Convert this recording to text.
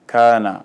Kaana